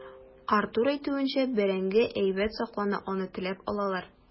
Артур әйтүенчә, бәрәңге әйбәт саклана, аны теләп алалар.